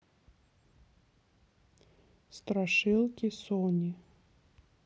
страшилки сони